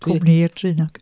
Cwmni i'r draenog.